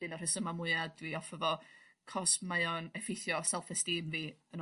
dyna rhesyma mwya dwi off o fo 'c'os mae o'n effeithio self esteem fi yn...